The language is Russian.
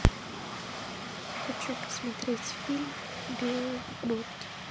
хочу посмотреть фильмы бебот